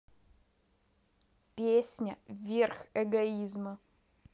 песня верх эгоизма